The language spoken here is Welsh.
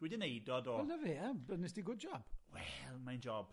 Dwi 'di wneud o, do. Wel, na fe, a b- wnes di good job. Wel, mae'n job.